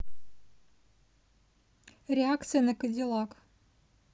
реакция на кадиллак